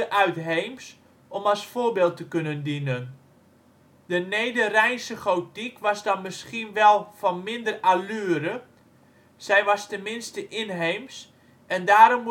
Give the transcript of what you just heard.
uitheems om als voorbeeld te kunnen dienen. De Nederrijnse gotiek was dan misschien wel van minder allure, zij was tenminste inheems en daarom